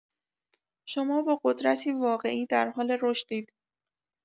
شما با قدرتی واقعی در حال رشدید.